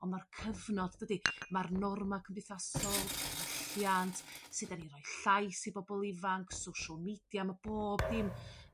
ond ma'r cyfnod dydi? Ma'r norma cymdeithasol diwylliant sydd 'dyn ni'n roi llais i bobol ifanc social media ma' bob dim